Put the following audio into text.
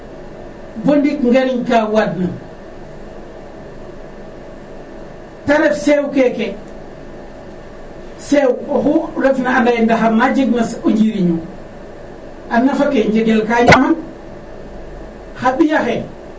boo ndiik ngariñ ka waadnan ta ref seew keke. Seew oxu refna a anda ye ndaxar na jegna o njiriñ oo, a naf ake njengel ka ñaaman xa ƥiy axe